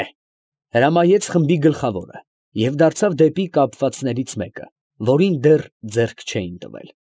Է, ֊ հրամայեց խմբի գլխավորը և դարձավ դեպի կապվածներից մեկը, որին դեռ ձեռք չէին տվել։